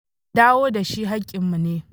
Dawo da shi haƙƙinmu ne.”